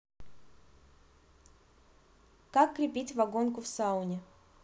как крепить вагонку в сауне